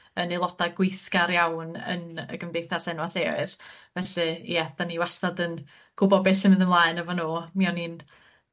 yn aelodau gweithgar iawn yn y gymdeithas enwa' lleoedd felly ie 'dan ni wastad yn gwbo be' sy'n myn' ymlaen efo nw, mi o' ni'n